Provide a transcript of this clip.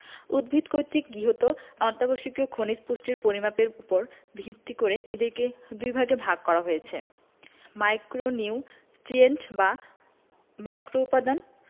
উদ্ভিদ কর্তৃক গৃহীত অত্যাবশ্যকীয় খনিজ পুষ্টির পরিমাণের উপর ভিত্তি করে এদেরকে দুইভাগে ভাগ করা হয়েছে ম্যাক্রোনিউট্রিয়েন্ট বা ম্যাক্রোউপাদান